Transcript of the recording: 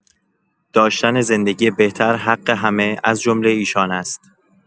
داشتن زندگی بهتر، حق همه، از جمله ایشان است.